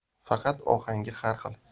faqat ohangi har